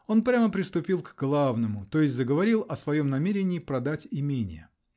он прямо приступил к главному -- то есть заговорил о своем намерении продать имение .